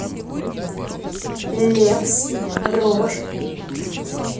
лепс рожи